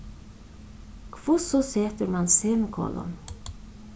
hvussu setur mann semikolon